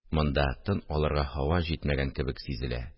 Монда тын алырга һава җитмәгән кебек сизелә